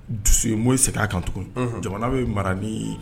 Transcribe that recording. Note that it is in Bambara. Dusu inmo segin' kan tugu jamana ye mara ni ye